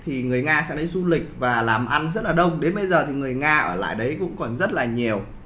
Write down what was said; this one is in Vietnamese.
thì người nga sẽ đến du lịch và làm ăn rất là đông đến bây giờ thì người nga ở lại đấy cũng còn rất là nhiều